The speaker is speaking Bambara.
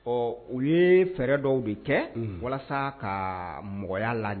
Ɔ u ye fɛɛrɛ dɔw de kɛ walasa ka mɔgɔya lajɛ